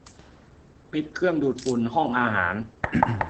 ปิดเครื่องดูดฝุ่นห้องอาหาร